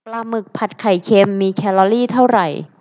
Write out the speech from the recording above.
ปลาหมึกผัดไข่เค็มมีแคลอรี่เท่าไหร่